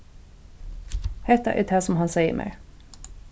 hetta er tað sum hann segði mær